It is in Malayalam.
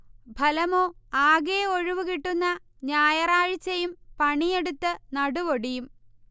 ഫലമോ ആകെ ഒഴിവുകിട്ടുന്ന ഞായറാഴ്ചയും പണിയെടുത്ത് നടുവൊടിയും